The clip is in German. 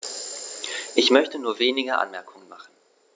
Ich möchte nur wenige Anmerkungen machen.